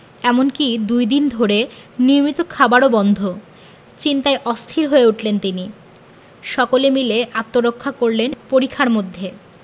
এমনকি দুই দিন ধরে নিয়মিত খাবারও বন্ধ চিন্তায় অস্থির হয়ে উঠলেন তিনি সকলে মিলে আত্মরক্ষা করলেন পরিখার মধ্যে